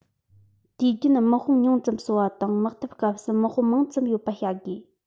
དུས རྒྱུན དམག དཔུང ཉུང ཙམ གསོ བ དང དམག འཐབ སྐབས སུ དམག དཔུང མང ཙམ ཡོད པ བྱ དགོས